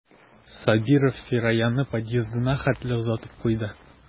Сабиров Фираяны подъездына хәтле озатып куйды.